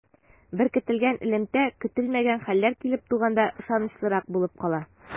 Беркетелгән элемтә көтелмәгән хәлләр килеп туганда ышанычлырак булып кала.